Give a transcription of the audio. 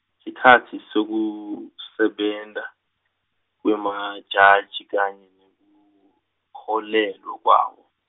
sikhatsi sekusebenta, kwemajaji kanye, nekuholelwa kwawo.